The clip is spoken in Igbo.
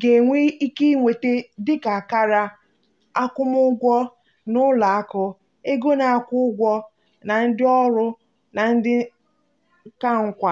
ga-enwe ike ịnweta dị ka akara akwụmụgwọ na ụlọ akụ, ego na-akwụ ụgwọ na ndị ọrụ na dị ka nkwa.